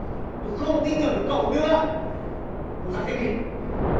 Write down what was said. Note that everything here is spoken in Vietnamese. tôi không tin tưởng được cậu nữa cậu giải thích đi